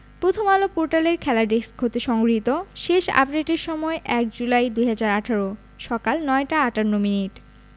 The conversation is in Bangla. প্রথমআলো পোর্টালের খেলা ডেস্ক হতে সংগৃহীত শেষ আপডেটের সময় ১ জুলাই ২০১৮ সকাল ৯টা ৫৮মিনিট